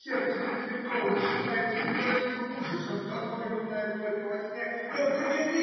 сердце Стебелькова сжимается невыразимым ужасом, какой бывает только во сне, и он кричит